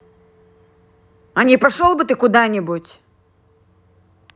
а не пошел бы ты куда нибудь